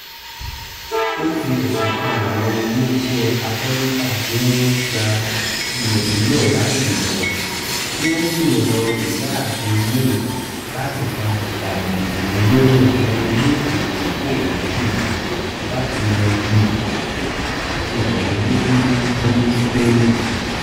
Ó fi ẹ̀sùn kan àwọn ilé iṣẹ́ akọ́létà pé wọ́n ń gba ilẹ̀ sílẹ̀ lái lò wọ̀n, tí ó sí rọ ìyáàfin May láti pa ìlànà ìpín lórí àwọn ilégbèé tí kò wọ́n jù láti yanjú “ìtìjú àìrílégbé.” ní Bírítéénì